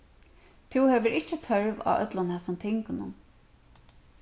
tú hevur ikki tørv á øllum hasum tingunum